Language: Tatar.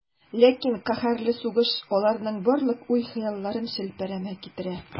Ләкин каһәрле сугыш аларның барлык уй-хыялларын челпәрәмә китерә.